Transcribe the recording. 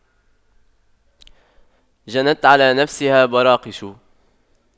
جنت على نفسها براقش